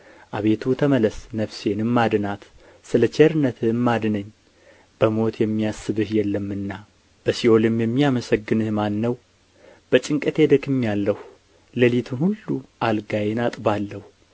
አቤቱ ተመለስ ነፍሴንም አድናት ስለ ቸርነትህም አድነኝ በሞት የሚያስብህ የለምና በሲኦልም የሚያመሰግንህ ማን ነው በጭንቀቴ ደክሜያለሁ ሌሊቱን ሁሉ አልጋዬን አጥባለሁ